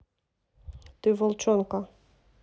ты волчонка